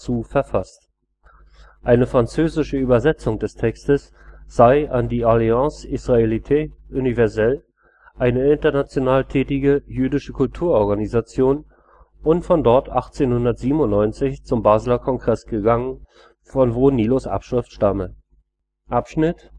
Mose) verfasst. Eine französische Übersetzung des Textes sei an die Alliance Israélite Universelle, eine international tätige jüdische Kulturorganisation, und von dort 1897 zum Basler Kongress gegangen, von wo Nilus ‘Abschrift